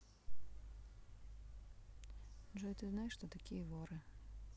джой ты знаешь кто такие воры